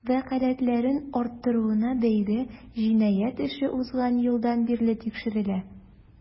Вәкаләтләрен арттыруына бәйле җинаять эше узган елдан бирле тикшерелә.